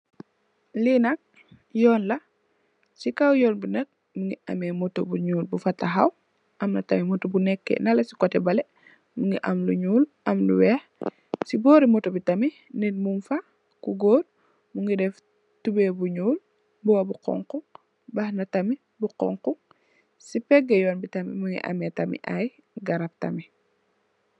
Lee nak yoon la se kaw yoon be nak muge ameh motou bu nuul bufa tahaw amna tamin motou bu neke nele se koteh bale muge am lu nuul am lu weex se bore motou be tamin neet mugfa ku goor muge def tubaye bu nuul muba bu xonxo mbaxana tamin bu xonxo se pege yoon tamin muge ameh tamin aye garab tamin.